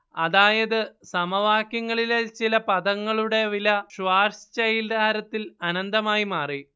അതായത് സമവാക്യങ്ങളിലെ ചില പദങ്ങളുടെ വില ഷ്വാർസ്ചൈൽഡ് ആരത്തിൽ അനന്തമായി മാറി